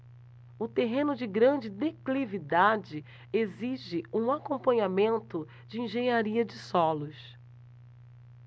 o terreno de grande declividade exige um acompanhamento de engenharia de solos